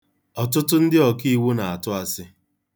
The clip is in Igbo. Ọtụtụ ndị okiiwu na-atụ asị.